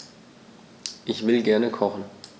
Ich will gerne kochen.